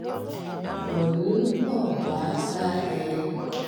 Mò ń bò wá bá ẹ.